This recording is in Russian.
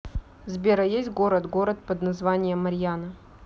сбер а есть город город под названием марьяна